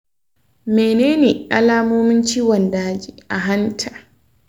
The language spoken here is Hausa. menene alamomin ciwon daji a hanta?